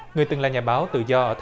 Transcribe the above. người từng là nhà báo tự do ở